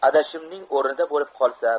adashimning o'mida bo'lib qolsam